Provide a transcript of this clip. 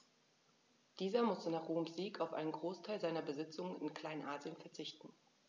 Dieser musste nach Roms Sieg auf einen Großteil seiner Besitzungen in Kleinasien verzichten.